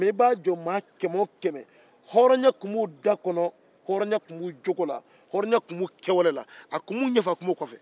i b'a jɔ maa kɛmɛ o kɛmɛ hɔrɔnya tun b'u da la a tun b'u kɛwale la a tun b'u kɔfɛ a tun b'u ɲɛfɛ